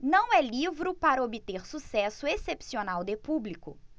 não é livro para obter sucesso excepcional de público